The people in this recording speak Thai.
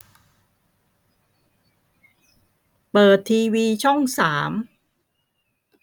เปิดทีวีช่องสาม